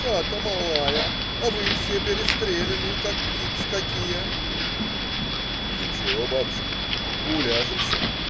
Хата малая, а вы все перестреляны, как птицы какие". "Ничего, бабушка, уляжемся".